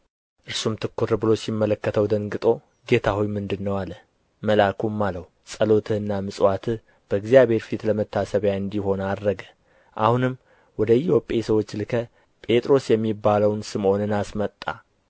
እርሱም ትኵር ብሎ ሲመለከተው ደንግጦ ጌታ ሆይ ምንድር ነው አለ መልአኩም አለው ጸሎትህና ምጽዋትህ በእግዚአብሔር ፊት ለመታሰቢያ እንዲሆን አረገ አሁንም ወደ ኢዮጴ ሰዎችን ልከህ ጴጥሮስ የሚባለውን ስምዖንን አስመጣ